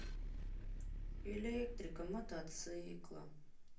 электрика мотоцикла